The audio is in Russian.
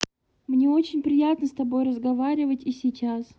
мне очень приятно с тобой разговаривать и сейчас